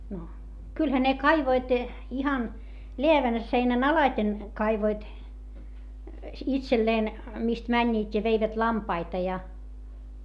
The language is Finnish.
no kyllähän ne kaivoivat ihan läävän seinän alitse kaivoivat itselleen mistä menivät ja veivät lampaita ja